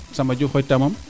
Samba Diouf xooytita mam